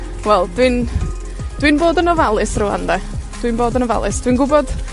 Wel, dwi'n, dwi'n bod yn ofalus rŵan 'de. Dwi'n bod yn ofalus. Dwi'n gwbod,